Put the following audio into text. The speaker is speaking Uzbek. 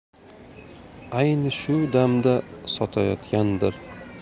ayni shu damda sotayotgandir